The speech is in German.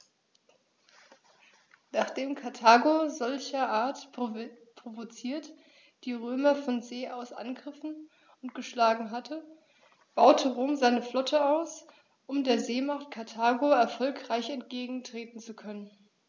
Nachdem Karthago, solcherart provoziert, die Römer von See aus angegriffen und geschlagen hatte, baute Rom seine Flotte aus, um der Seemacht Karthago erfolgreich entgegentreten zu können.